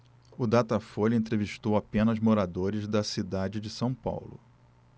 o datafolha entrevistou apenas moradores da cidade de são paulo